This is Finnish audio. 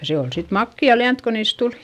ja se oli sitten makeaa lientä kun niistä tuli